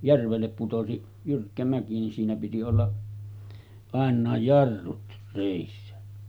järvelle putosi jyrkkä mäki niin siinä piti olla ainakin jarrut reessä